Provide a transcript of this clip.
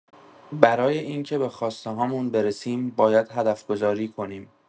برای این که به خواسته‌هامون برسیم، باید هدف‌گذاری کنیم.